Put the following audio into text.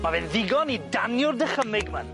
Ma' fe'n ddigon i danio'r dychymyg, myn.